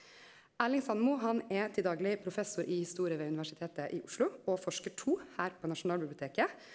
Erling Sandmo han er til dagleg professor i historie ved Universitetet i Oslo og forskar to her på Nasjonalbiblioteket.